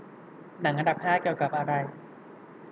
หนังอันดับห้าเกี่ยวกับอะไร